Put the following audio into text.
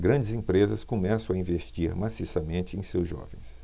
grandes empresas começam a investir maciçamente em seus jovens